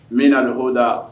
Minalihada